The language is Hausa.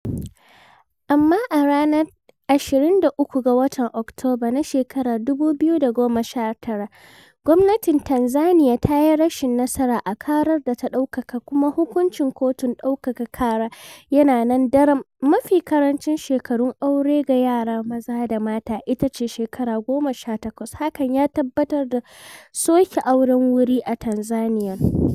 Amma a ranar 23 ga watan Oktoba na shekarar 2019, Gwmnatin Tanzaniyan ta yi rashin nasara a ƙarar da ta ɗaukaka, kuma hukuncin kotun ɗaukaka ƙara yana nan daram. Mafi ƙarancin shekarun aure ga yara maza da mata ita ce shekara 18, hakan ya tabbatar da soke auren wuri a Tanzaniyan.